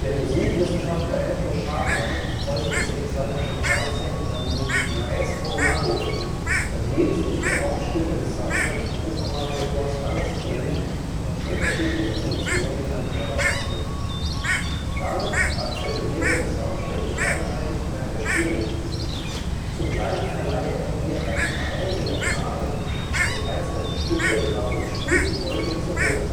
Musikwissenschaftler Andrew Schartmann äußerte sich 2013 in seinem Buch Maestro Mario, dass jedes der vier Hauptstücke des Soundtracks von Super Mario Bros. anders klinge und unterschiedliche Emotionen beim Hörer erzeuge. Damit akzentuiere der Soundtrack die Reichhaltigkeit der Spielwelt. Zugleich verleihe er ihr einen vereinigenden Rahmen, da die einzelnen Stücke im Laufe des Spiels häufig zu hören